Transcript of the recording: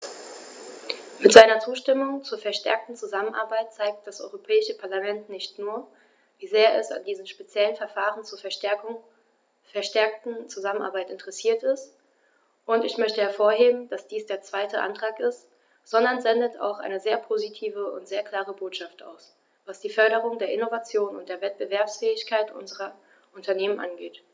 Mit seiner Zustimmung zur verstärkten Zusammenarbeit zeigt das Europäische Parlament nicht nur, wie sehr es an diesem speziellen Verfahren zur verstärkten Zusammenarbeit interessiert ist - und ich möchte hervorheben, dass dies der zweite Antrag ist -, sondern sendet auch eine sehr positive und sehr klare Botschaft aus, was die Förderung der Innovation und der Wettbewerbsfähigkeit unserer Unternehmen angeht.